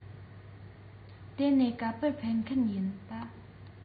དེ ནས ག པར ཕེབས མཁན ཡིན པྰ